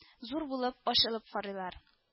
Зур булып ачылып карыйлар